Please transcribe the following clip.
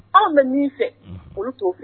Anw bɛ min fɛ olu t'o filɛ